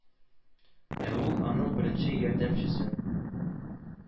Ә ул аның беренче ярдәмчесе